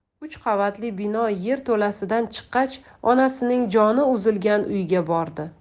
uch qavatli bino yerto'lasidan chiqqach onasining joni uzilgan uyga bordi